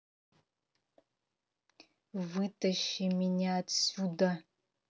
вытащи меня отсюда